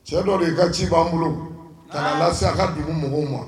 Cɛ dɔ de ka ci ban bolo, ka na a lase a ka dugula mɔgɔw ma.